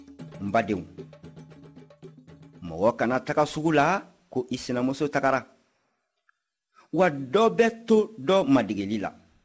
n badenw mɔgɔ kana taga sugu la ko i sinamuso tagara wa dɔ bɛ to dɔ madegeli la